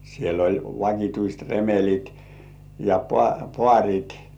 siellä oli vakituiset remelit ja paarit